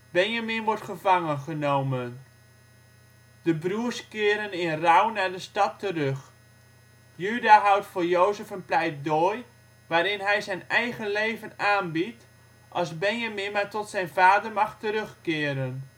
Benjamin wordt gevangengenomen. De broers keren in rouw naar de stad terug. Juda houdt voor Jozef een pleidooi, waarin hij zijn eigen leven aanbiedt als Benjamin maar tot zijn vader mag terugkeren